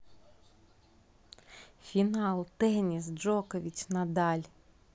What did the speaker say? final теннис джокович надаль